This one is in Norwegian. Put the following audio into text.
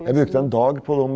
jeg brukte en dag på dem.